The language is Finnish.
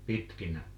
pitkinä